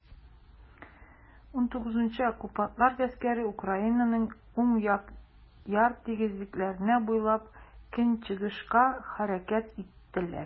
XIX Оккупантлар гаскәре Украинаның уң як яр тигезлекләре буйлап көнчыгышка хәрәкәт иттеләр.